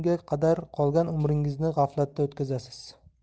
yo'llagunga qadar qolgan umringizni g'aflatda o'tkazasiz